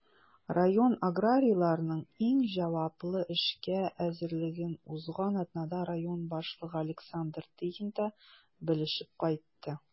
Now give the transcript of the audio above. Район аграрийларының иң җаваплы эшкә әзерлеген узган атнада район башлыгы Александр Тыгин да белешеп кайтты.